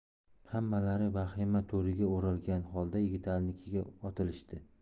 hammalari vahima to'riga o'ralgan holda yigitalinikiga otilishdi